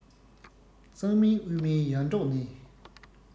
གཙང མིན དབུས མིན ཡར འབྲོག ནས